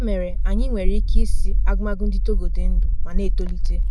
Ya mere, anyị nwere ike ịsị agụmagụ ndị Togo dị ndụ ma na-etolite.